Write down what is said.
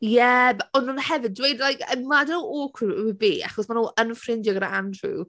Ie, b- o- ond hefyd dweud like imagine how awkward it would be achos ma' nhw yn ffrindiau gyda Andrew...